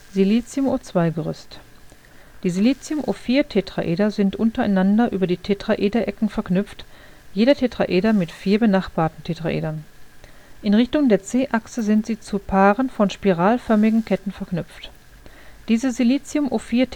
Å. SiO2-Gerüst: Die SiO4-Tetraeder sind untereinander über die Tetraederecken verknüpft, jeder Tetraeder mit vier benachbarten Tetraedern. In Richtung der c-Achse sind sie zu Paaren von spiralförmigen Ketten verknüpft. Diese SiO4-Tetraederhelixpaare